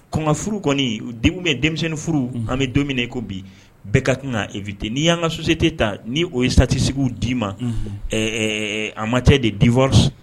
Kɔnkan furu kɔni bɛ denmisɛnninf an bɛ don min ko bi bɛɛ ka kan i vte n ni yanan ka suse tɛ ta ni oo ye sati segu d'i ma a ma cɛ de dif